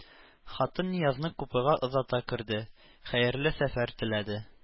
Хатын Ниязны купега озата керде, хәерле сәфәр теләде